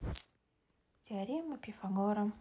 теорема пифагора